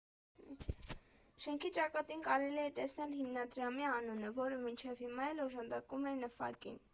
Շենքի ճակատին կարելի է տեսնել հիմնադրամի անունը, որը մինչև հիմա էլ օժանդակում է ՆՓԱԿ֊ին։